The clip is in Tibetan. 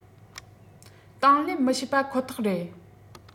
དང ལེན མི བྱེད པ ཁོ ཐག རེད